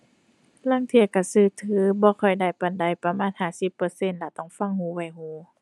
ลางเที่ยก็ก็ถือบ่ค่อยได้ปานใดประมาณห้าสิบเปอร์เซ็นต์ล่ะต้องฟังหูไว้หู